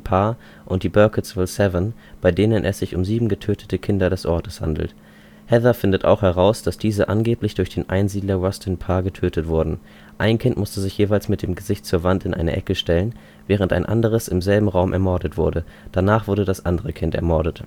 Parr und die Burkittsville 7, bei denen es sich um sieben getötete Kinder des Ortes handelt. Heather findet auch heraus, dass diese angeblich durch den Einsiedler Rustin Parr getötet wurden: Ein Kind musste sich jeweils mit dem Gesicht zur Wand in eine Ecke stellen, während ein anderes im selben Raum ermordet wurde, danach wurde das andere Kind ermordet.